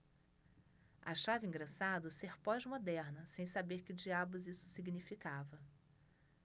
achava engraçado ser pós-moderna sem saber que diabos isso significava